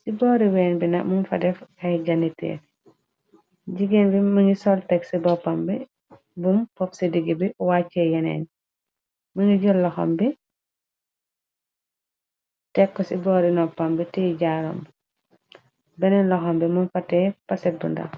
ci boori ween bi na mum fa def xay janiteefi jigéen bi mëngi solteg ci boppam bi bum pop ci digg bi wàcce yeneen mëngi jë loxam tekk ci boori noppam bi tiy jaaramb beneen loxam bi mum fatee paset bu ndaw.